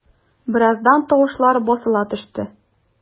Бераздан тавышлар басыла төште.